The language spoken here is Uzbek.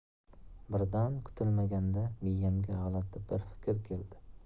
birdan kutilmaganda miyamga g'alati bir fikr keldi